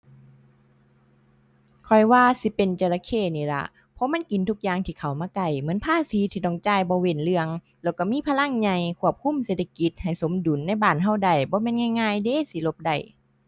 ข้อยว่าสิเป็นจระเข้นี่ล่ะ เพราะมันกินทุกอย่างที่เข้ามาใกล้ เหมือนภาษีที่ต้องจ่ายบ่เว้นเรื่อง แล้วก็มีพลังใหญ่ควบคุมเศรษฐกิจให้สมดุลในบ้านก็ได้ บ่แม่นง่ายง่ายเดะสิหลบได้